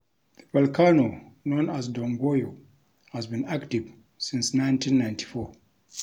The volcano known as "Don Goyo" has been active since 1994.